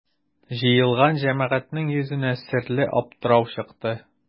Җыелган җәмәгатьнең йөзенә серле аптырау чыкты.